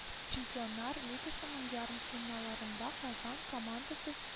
Чемпионнар Лигасының ярымфиналларында Казан командасы